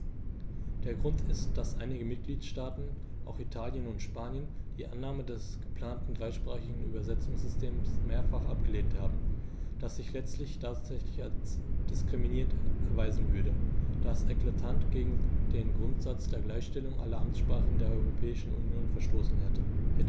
Der Grund ist, dass einige Mitgliedstaaten - auch Italien und Spanien - die Annahme des geplanten dreisprachigen Übersetzungssystems mehrfach abgelehnt haben, das sich letztendlich tatsächlich als diskriminierend erweisen würde, da es eklatant gegen den Grundsatz der Gleichstellung aller Amtssprachen der Europäischen Union verstoßen hätte.